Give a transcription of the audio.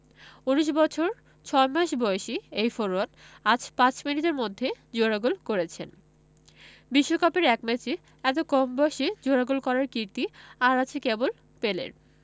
১৯ বছর ৬ মাস বয়সী এই ফরোয়ার্ড আজ ৫ মিনিটের মধ্যে জোড়া গোল করেছেন বিশ্বকাপের এক ম্যাচে এত কম বয়সে জোড়া গোল করার কীর্তি আর আছে কেবল পেলের